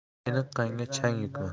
chiniqqanga chang yuqmas